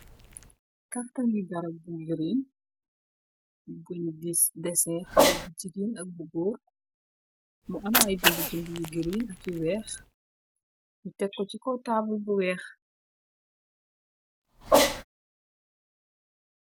Kartongi garab bu giriin gun dis desin xala bu jegain ak bu góor mu am ay bind bind yu giriin ak yu weex nu tekko ci kaw taabal bu weex.